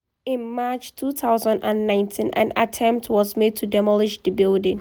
In March 2019, an attempt was made to demolish the building.